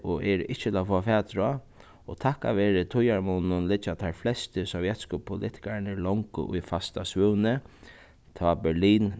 og eru ikki til at fáa fatur á og takkað verið tíðarmuninum liggja teir flestu sovjetsku politikararnir longu í fasta svøvni tá berlin